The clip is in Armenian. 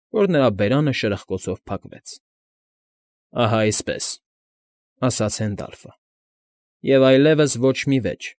Որ նրա բերանը շրխկոցով փակվեց։ ֊ Ահա այնպես,֊ ասաց Հենդալֆը։֊ Եվ այլևս ոչ մի վեճ։